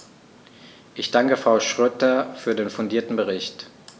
Ich danke Frau Schroedter für den fundierten Bericht.